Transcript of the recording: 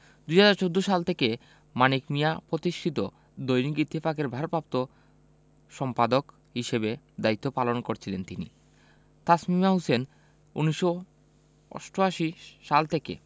২০১৪ সাল থেকে মানিক মিঞা প্রতিষ্ঠিত দৈনিক ইত্তেফাকের ভারপ্রাপ্ত সম্পাদক হিসেবে দায়িত্ব পালন করছিলেন তিনি তাসমিমা হোসেন ১৯৮৮ সাল থেকে